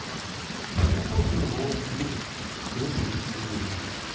куколки лол и пресцилла